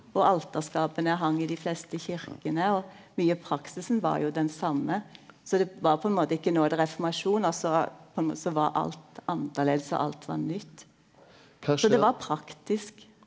og alterskapa hang i dei fleste kyrkjene og mykje av praksisen var jo den same så det var på ein måte ikkje nå er det reformasjon altså på var alt annleis og alt var nytt så det var praktisk.